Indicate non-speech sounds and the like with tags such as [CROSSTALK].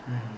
[HESITATION] [HESITATION]